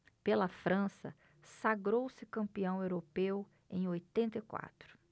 pela frança sagrou-se campeão europeu em oitenta e quatro